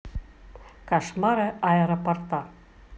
кошмары аэропорта